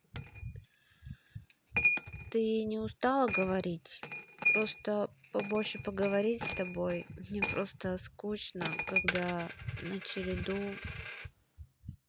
ты не устала поговорить могу побольше поговорить с тобой мне просто скучно когда на череду